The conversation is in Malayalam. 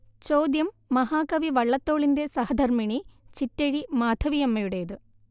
ചോദ്യം മഹാകവി വള്ളത്തോളിന്റെ സഹധർമ്മിണി ചിറ്റഴി മാധവിയമ്മയുടേത്